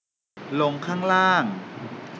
ลงข้างล่าง